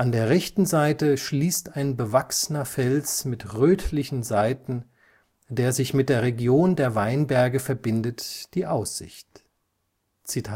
der rechten Seite schließt ein bewachsner Fels mit röthlichen Seiten, der sich mit der Region der Weinberge verbindet, die Aussicht. “Zu